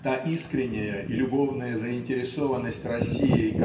та искренняя и любовная заинтересованность Россией